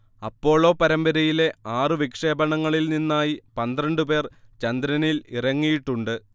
Apollo പരമ്പരയിലെ ആറ് വിക്ഷേപണങ്ങളിൽ നിന്നായി പന്ത്രണ്ട് പേർ ചന്ദ്രനിൽ ഇറങ്ങിയിട്ടുണ്ട്